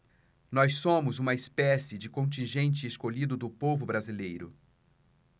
nós somos uma espécie de contingente escolhido do povo brasileiro